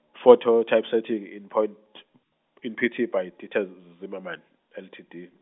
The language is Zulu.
phototypesetting in point, in P T by Dieter z- Zimmermann L T D.